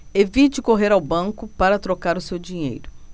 evite correr ao banco para trocar o seu dinheiro